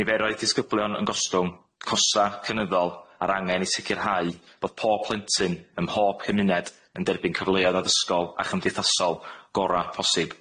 Niferoedd disgyblion yn gostwng, costa' cynyddol, a'r angen i sicirhau bod pob plentyn ym mhob cymuned yn derbyn cyfleoedd addysgol a chymdeithasol gora posib.